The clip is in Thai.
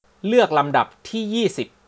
เลือกลำดับที่ยี่สิบ